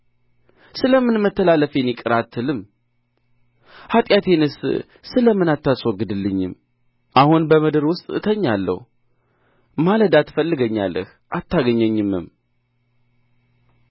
ስለ ምን መተላለፌን ይቅር አትልም ኃጢአቴንስ ስለ ምን አታስወግድልኝም አሁን በምድር ውስጥ እተኛለሁ ማለዳ ትፈልገኛለህ አታገኘኝም